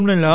waaw